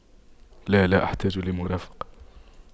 لا لا احتاج لمرافق